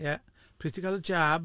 Ie, pryd ti'n cael y jab.